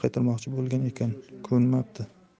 qaytarmoqchi bo'lgan ekan ko'nmapti